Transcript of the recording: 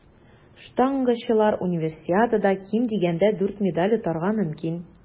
Штангачылар Универсиадада ким дигәндә дүрт медаль отарга мөмкин.